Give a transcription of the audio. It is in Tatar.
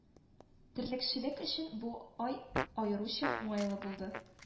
Терлекчелек өчен бу әй аеруча уңайлы булды